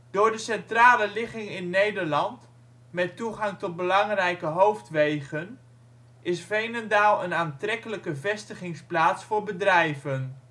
Door de centrale ligging in Nederland, met toegang tot belangrijke hoofdwegen, is Veenendaal een aantrekkelijke vestigingsplaats voor bedrijven